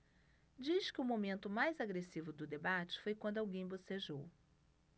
diz que o momento mais agressivo do debate foi quando alguém bocejou